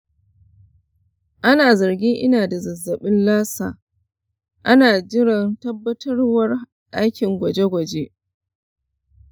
ana zargin ina da zazzabin lassa, ana jiran tabbatarwar dakin gwaje-gwaje.